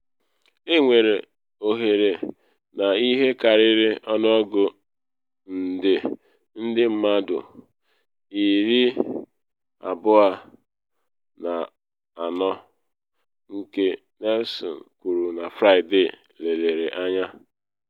Enwere ohere na ihe karịrị ọnụọgụ nde ndị mmadụ 20.4 nke Nielsen kwuru na Friday lelere ya.